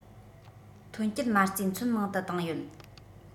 ཐོན སྐྱེད མ རྩའི མཚོན མང དུ བཏང ཡོད